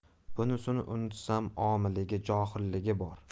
bunisini unutsam omiligi johilligi bor